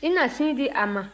i na sin di a ma